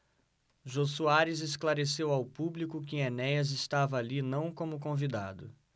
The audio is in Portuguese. jô soares esclareceu ao público que enéas estava ali não como convidado